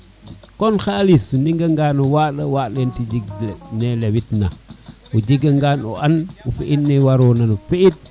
comme xalis o nega ngano waɗo waɗ jeg tin ne lewit na jega ngan o an o fi in ne wara nona fi it